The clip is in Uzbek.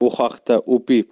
bu haqda upi